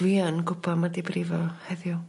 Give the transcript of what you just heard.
dwi yn gwbo ma' 'di brifo heddiw.